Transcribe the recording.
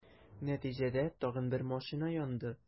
Нәтиҗәдә, тагын бер машина янды.